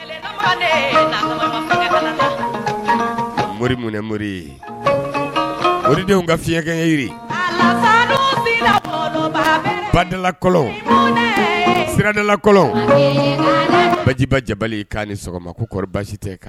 Moriɛ moridenw ka fiɲɛkɛ badala siradala bajiba jabali'a ni sɔgɔma ko kɔrɔ basi tɛ